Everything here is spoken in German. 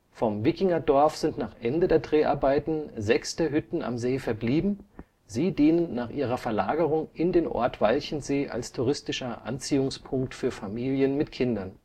Vom Wikingerdorf sind nach Ende der Dreharbeiten sechs der Hütten am See verblieben, sie dienen nach ihrer Verlagerung in den Ort Walchensee als touristischer Anziehungspunkt für Familien mit Kindern